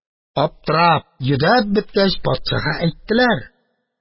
Аптырап-йөдәп беткәч, патшага әйттеләр: